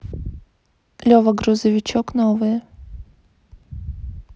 лева грузовичок новые